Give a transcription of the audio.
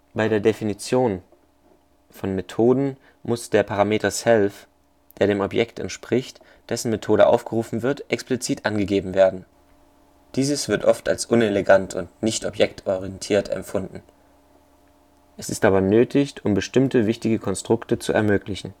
Bei der Definition (aber nicht beim Aufruf) von Methoden muss der Parameter self, der dem Objekt entspricht, dessen Methode aufgerufen wird, explizit angegeben werden. Dies wird oft als unelegant und „ nicht objektorientiert “empfunden. Es ist aber nötig, um bestimmte wichtige Konstrukte zu ermöglichen